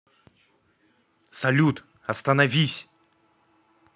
салют остановись